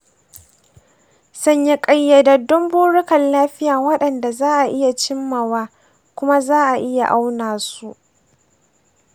sanya ƙayyadaddun burukan lafiya waɗanda za a iya cimmawa kuma za a iya auna su.